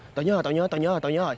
tao nhớ ồi tao nhớ tao nhớ tao nhớ ồi